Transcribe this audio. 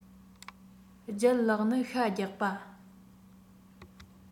ལྗད ལགས ནི ཤ རྒྱགས པ